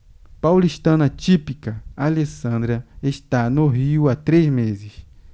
paulistana típica alessandra está no rio há três meses